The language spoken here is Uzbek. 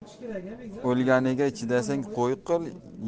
o'lganiga chidasang qo'y qil